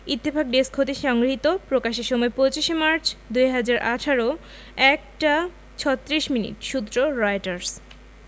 Ittefaq desk হতে সংগৃহীত প্রকাশের সময় ২৫মার্চ ২০১৮ ১ টা ৩৬ মিনিট সূত্রঃ রয়টার্স